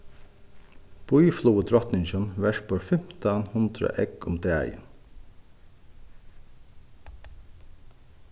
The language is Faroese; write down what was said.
býflugudrotningin verpur fimtan hundrað egg um dagin